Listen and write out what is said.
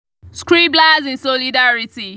Scribblers in solidarity